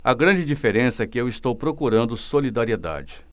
a grande diferença é que eu estou procurando solidariedade